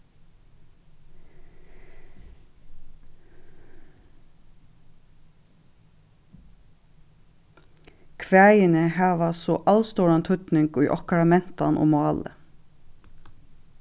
kvæðini hava so alstóran týdning í okkara mentan og máli